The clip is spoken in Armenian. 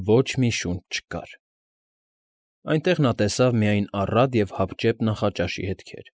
Ոչ մի շունչ չկար։ Այնտեղ նա տեսավ միայն առատ և հապճեպ նախաճաշի հետքեր։